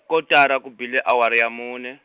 kotara ku bile awara ya mune.